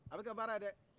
a be kɛ baara ye dɛ